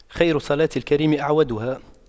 خير صِلاتِ الكريم أَعْوَدُها